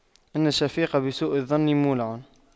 إن الشفيق بسوء ظن مولع